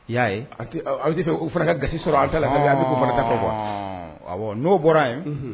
I y'a ye an tɛ fɛ u fana ka gasi sɔrɔ an tala .